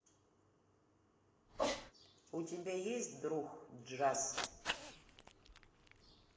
у тебя есть друг джаз